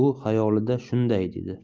u xayolida shunday dedi